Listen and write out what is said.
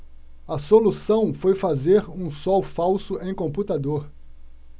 a solução foi fazer um sol falso em computador